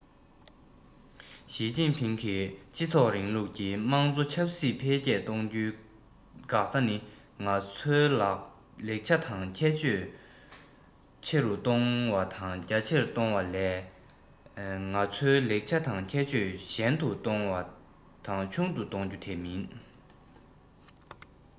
ཞིས ཅིན ཕིང གིས སྤྱི ཚོགས རིང ལུགས ཀྱི དམངས གཙོ ཆབ སྲིད འཕེལ རྒྱས གཏོང བའི འགག རྩ ནི ང ཚོའི ལེགས ཆ དང ཁྱད ཆོས ཆེ རུ གཏོང བ དང རྒྱ ཆེར གཏོང བ ལས ང ཚོའི ལེགས ཆ དང ཁྱད ཆོས ཞན དུ གཏོང བ དང ཆུང དུ གཏོང རྒྱུ དེ མིན